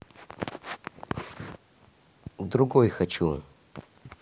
другой хочу